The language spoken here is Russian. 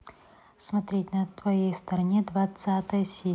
смотреть на твоей стороне двадцатая серия